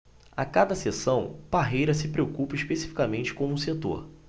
a cada sessão parreira se preocupa especificamente com um setor